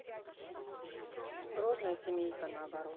грозная семейка наоборот